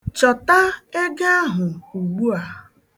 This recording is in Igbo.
Chọta ego ahụ ugbua.